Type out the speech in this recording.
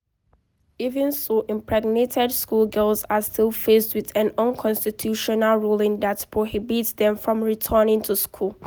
Even so, impregnated schoolgirls are still faced with an unconstitutional ruling that prohibits them from returning to school.